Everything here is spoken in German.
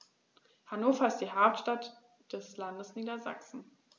Hannover ist die Hauptstadt des Landes Niedersachsen.